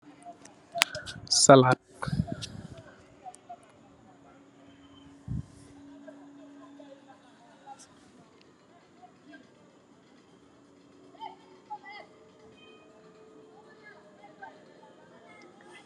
Salaad